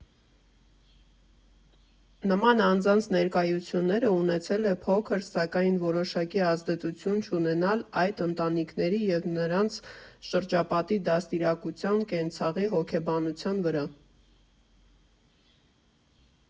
Նման անձանց ներկայությունները ունեցել է փոքր, սակայն որոշակի ազդեցություն չունենալ այդ ընտանիքների և նրանց շրջապատի դաստիարակության, կենցաղի, հոգեբանության վրա։